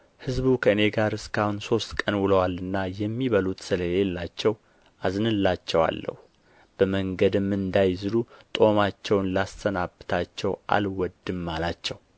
ሕዝቡ ከእኔ ጋር እስካሁን ሦስት ቀን ውለዋልና የሚበሉት ስለ ሌላቸው አዝንላቸዋለሁ በመንገድም እንዳይዝሉ ጦማቸውን ላሰናብታቸው አልወድም አላቸው